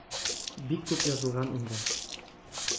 Бик күп язылган инде.